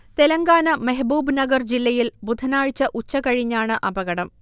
Telangana Mahbubnagar ജില്ലയിൽ ബുധനാഴ്ച ഉച്ചകഴിഞ്ഞാണ് അപകടം